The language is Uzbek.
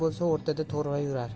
bo'lsa o'rtada to'rva yurar